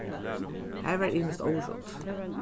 har var ymiskt órudd